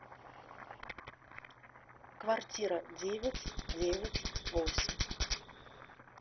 квартира девять девять восемь